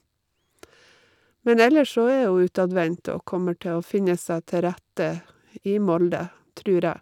Men ellers så er hun utadvendt og kommer til å finne seg til rette i Molde, trur jeg.